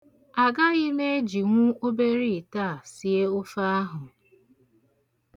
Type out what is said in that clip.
Agaghị m ejinwu obere ite a sie ofe ahụ.